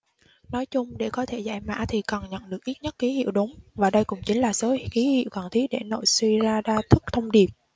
nói chung để có thể giải mã thì cần nhận được ít nhất kí hiệu đúng và đây cũng chính là số kí hiệu cần thiết để nội suy ra đa thức thông điệp